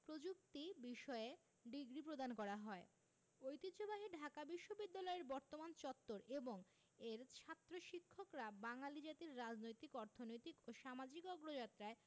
প্রযুক্তি বিষয়ে ডিগ্রি প্রদান করা হয় ঐতিহ্যবাহী ঢাকা বিশ্ববিদ্যালয়ের বর্তমান চত্বর এবং এর ছাত্র শিক্ষকরা বাঙালি জাতির রাজনৈতিক অর্থনৈতিক ও সামাজিক অগ্রযাত্রায়